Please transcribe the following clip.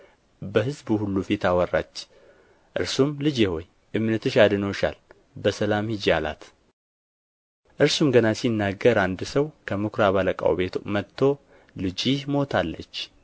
በሕዝቡ ሁሉ ፊት አወራች እርሱም ልጄ ሆይ እምነትሽ አድኖሻል በሰላም ሂጂ አላት እርሱም ገና ሲናገር አንድ ሰው ከምኵራብ አለቃው ቤት መጥቶ ልጅህ ሞታለች